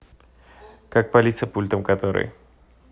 как полиса пультом который